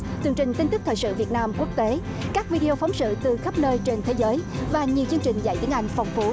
tường trình tin tức thời sự việt nam quốc tế các vi đi ô phóng sự từ khắp nơi trên thế giới và nhiều chương trình dạy tiếng anh phong phú